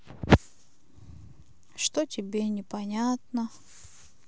что тебе понятно